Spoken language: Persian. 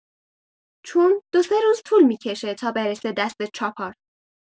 چون دو سه روز طول می‌کشه تا برسه دست چاپار